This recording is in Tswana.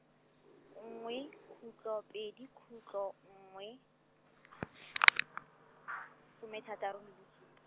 nngwe, khutlo pedi khutlo nngwe, somethataro le bosup-.